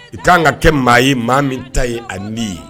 I' kan ka kɛ maa ye maa min ta ye ani n ye